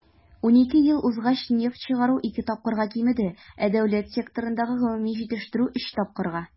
12 ел узгач нефть чыгару ике тапкырга кимеде, ә дәүләт секторындагы гомуми җитештерү - өч тапкырга.